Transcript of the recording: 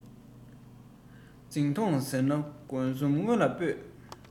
འཛིང ཐོངས ཟེར ན གོམ གསུམ སྔོན ལ སྤོས